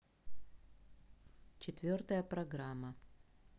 четвертая программа